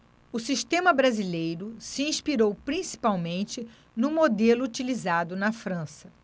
o sistema brasileiro se inspirou principalmente no modelo utilizado na frança